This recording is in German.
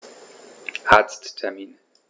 Arzttermin